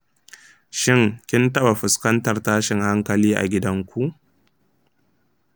shin kin taɓa fuskantar tashin hankali a gidanku?